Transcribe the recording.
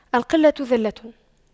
القلة ذلة